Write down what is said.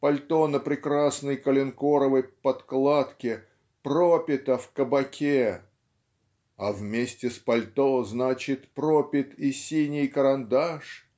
пальто на прекрасной коленкоровой подкладке пропито в кабаке! А вместе с пальто значит пропит и синий карандаш